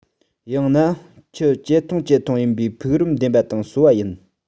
ཡང ན མཆུ ཇེ ཐུང ཇེ ཐུང ཡིན པའི ཕུག རོན འདེམས པ དང གསོ བ ཡིན